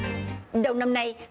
đầu năm nay